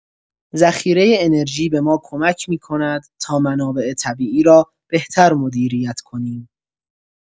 ذخیره انرژی به ما کمک می‌کند تا منابع طبیعی را بهتر مدیریت کنیم.